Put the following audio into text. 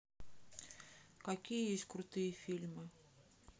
какие есть крутые фильмы